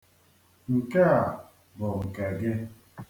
Nke a bụ nke gị.